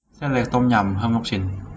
เส้นเล็กต้มยำเพิ่มลูกชิ้น